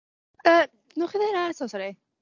Yy newchi ddeud hynna eto sori?